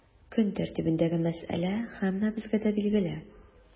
Көн тәртибендәге мәсьәлә һәммәбезгә дә билгеле.